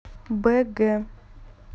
б г